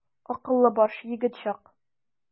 Акыллы баш, егет чак.